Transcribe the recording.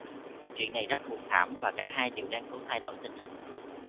chuyện này rất buồn thảm và cả hai đều đang cố thay đổi tình hình